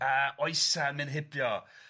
a oesa'n myn' hybio.